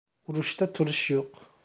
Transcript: urushda turish yo'q